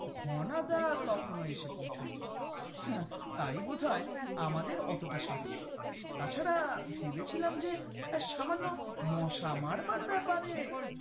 ঘনাদা তখন ও এসে পৌঁছাননি তাই বুঝি আমাদের অতটা সাহস তাছাড়া ভেবেছিলাম যে সামান্য মশা মারবার ব্যাপারে